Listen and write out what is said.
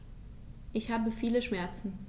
Ich habe viele Schmerzen.